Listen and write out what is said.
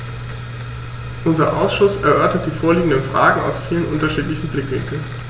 Unser Ausschuss erörtert die vorliegenden Fragen aus vielen unterschiedlichen Blickwinkeln.